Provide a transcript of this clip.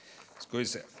skal vi se?